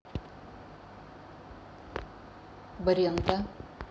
бренда